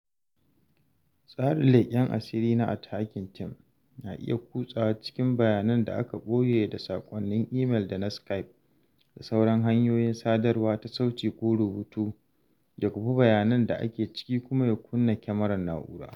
Tsarin leƙen asirin na @hackingteam na iya kutsawa cikin bayanan da aka ɓoye da saƙonnin imel da na Skype da sauran hanyoyin sadarwa ta sauti ko rubutu, ya kwafi bayanan da ke ciki kuma ya kunna kyamarar na’urar.